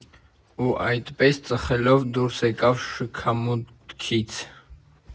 Ու այդպես, ծխելով դուրս եկավ շքամուտքից։